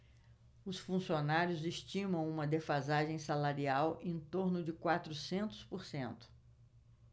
os funcionários estimam uma defasagem salarial em torno de quatrocentos por cento